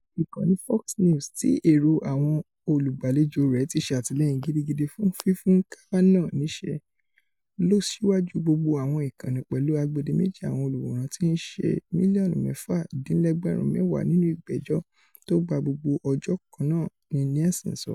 Ìkànnì Fox News, tí èrò àwọn olùgbàlejò rẹ̀ ti ṣàtìlẹ́yìn gidigidi fún fífún Kavanaugh níṣẹ́, ló síwáju gbogbo àwọn ìkànnì pẹ̀lú agbedeméjí àwọn olùwòran tí íṣe mílíọ̀nù mẹ́fà dín lẹ́gbẹ̀rún mẹ́wàá nínú ìgbẹ́jọ́ tó gba gbogbo ọjọ kan náà, ni Nielsen sọ.